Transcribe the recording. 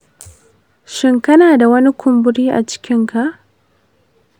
shin kana da wani kumburi a cikinka?